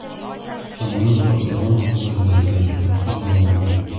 Самолет шартлаган, поезд бәрелгән, автобус ауган...